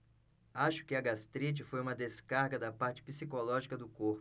acho que a gastrite foi uma descarga da parte psicológica no corpo